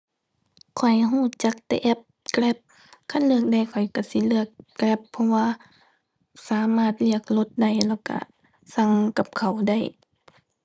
ข้อยรู้จักแต่แอป Grab คันเลือกได้ข้อยรู้สิเลือก Grab เพราะว่าสามารถเรียกรถได้แล้วรู้สั่งกับข้าวได้